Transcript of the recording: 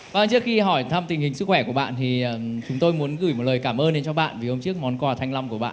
vâng trước khi hỏi thăm tình hình sức khỏe của bạn thì ờm chúng tôi muốn gửi một lời cảm ơn đến cho bạn vì hôm trước món quà thanh long của bạn